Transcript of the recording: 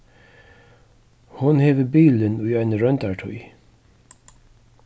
hon hevur bilin í eini royndartíð